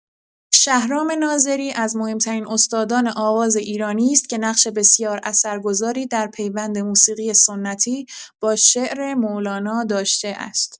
شهرام ناظری از مهم‌ترین استادان آواز ایرانی است که نقش بسیار اثرگذاری در پیوند موسیقی سنتی با شعر مولانا داشته است.